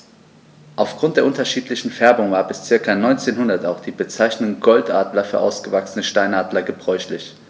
Auf Grund der unterschiedlichen Färbung war bis ca. 1900 auch die Bezeichnung Goldadler für ausgewachsene Steinadler gebräuchlich.